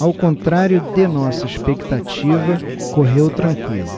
ao contrário de nossa expectativa correu tranquilo